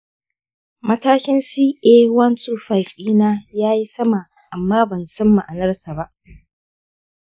matakin ca-125 dina ya yi sama amma ban san ma’anarsa ba.